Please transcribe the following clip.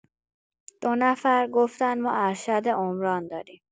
دو نفر گفتن ما ارشد عمران داریم.